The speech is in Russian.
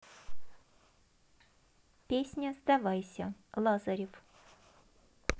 песня сдавайся лазарев